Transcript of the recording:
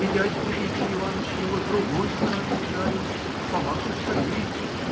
и дядя Дмитрий Иваныч его с другой стороны ударил Фома все стоит.